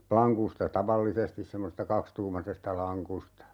lankusta tavallisesti semmoisesta kaksituumaisesta lankusta